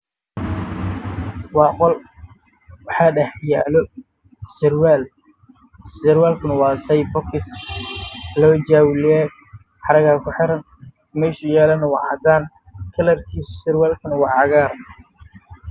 Waa qol waxaa dhex yaalo surwaal